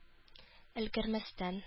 Өлгермәстән